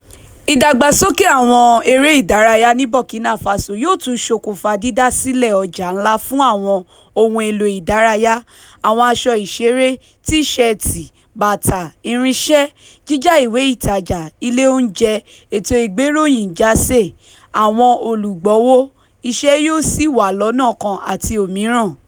Ìdàgbàsókè àwọn eré ìdárayá ní Burkina Faso yóò tún ṣokùnfà dídásílẹ̀ ọjà ńlà fún àwọn ohun èlò ìdárayà (àwọn aṣọ ìṣeré, T- ṣẹẹ̀tì, bàtà, irinṣẹ́), jíjá ìwé ìtajà, ilé oúnjẹ, ẹ̀tọ́ ìgbéròyìnjásé, àwọn olùgbọ̀wọ́ … Iṣẹ́ yòó sì wà lọ́nà kan àti òmíràn.